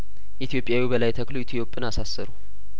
ኢትዮጵያዊው በላይ ተክሉ ኢትኦጵን አሳሰሩ